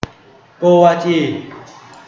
โกวาจี